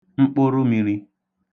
mkpụrụmīrī